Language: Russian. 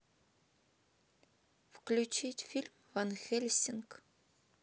включить фильм ван хельсинг